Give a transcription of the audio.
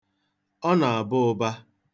Ọ ga-aba ụba.